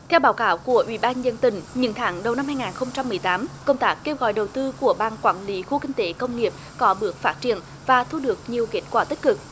theo báo cáo của ủy ban nhân dân tỉnh những tháng đầu năm hai ngàn không trăm mười tám công tác kêu gọi đầu tư của ban quản lý khu kinh tế công nghiệp có bước phát triển và thu được nhiều kết quả tích cực